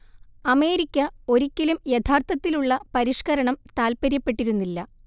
America ഒരിക്കലും യഥാർത്ഥത്തിലുള്ള പരിഷ്കരണം താല്പര്യപ്പെട്ടിരുന്നില്ല